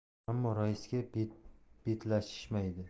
ammo raisga betlashishmaydi